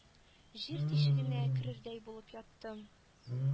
Җир тишегенә керердәй булып яттым...